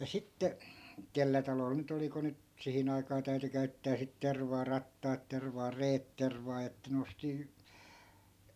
ja sitten kenellä talolla nyt oli kun nyt siihen aikaan täytyi käyttää sitten tervaa rattaat tervaa reet tervaa että ne osti